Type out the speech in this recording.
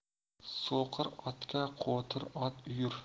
so'qir otga qo'tir ot uyur